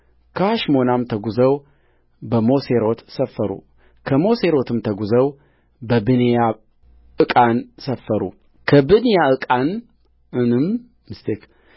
ከሐሽሞናም ተጕዘው በሞሴሮት ሰፈሩከሞሴሮትም ተጕዘው በብኔያዕቃን ሰፈሩ